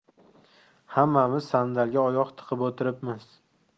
hammamiz sandalga oyoq tiqib o'tiribmiz